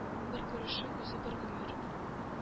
Бер күрешү үзе бер гомер.